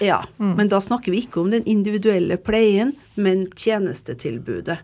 ja men da snakker vi ikke om den individuelle pleien men tjenestetilbudet.